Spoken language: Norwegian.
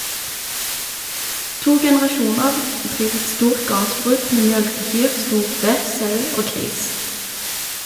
To generasjonar driv eit stort gardsbruk med mjølkekyr, storfe, sau og gris.